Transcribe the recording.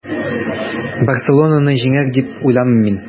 “барселона”ны җиңәр, дип уйламыйм мин.